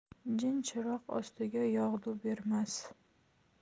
jinchiroq ostiga yog'du bermas